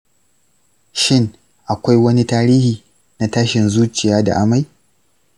shin akwai wani tarihi na tashin zuciya da amai?